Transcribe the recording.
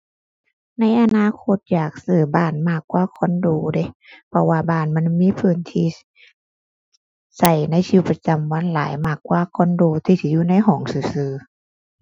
ในอนาคตอยากซื้อบ้านมากกว่าคอนโดเดะ เพราะว่าบ้านมันมีพื้นที่ใช้ในชีวิตประจำวันหลายมากกว่าคอนโดที่สิอยู่ในห้องซื่อซื่อ